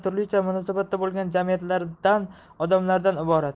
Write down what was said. turlicha munosabatda bo'lgan jamiyatlardan odamlardan iborat